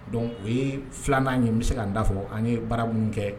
O ye filanan' ye bɛ se ka' da fɔ ani ye bara minnu kɛ